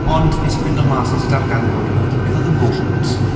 Ond, wnes i ffindo mas... wnes i darganfod wedyn, beth oedd yn bod.